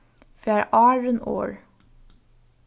far áðrenn orð